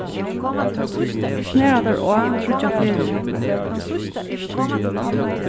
snara tær á tríggjar ferðir